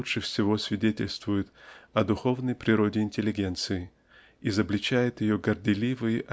лучше всего свидетельствует о духовной природе интеллигенции изобличает ее горделивый